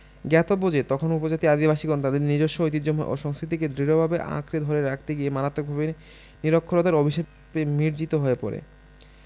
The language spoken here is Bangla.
জ্ঞাতব্য যে তখন উপজাতি আদিবাসীগণ তাদের নিজস্ব ঐতিহ্যময় ও সংস্কৃতিকে দৃঢ়ভাবে আঁকড়ে ধরে রাখতে গিয়ে মারাত্মকভাবে নিরক্ষরতার অভিশাপে মির্জ্জিত হয়ে পড়ে